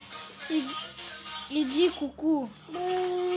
иди куку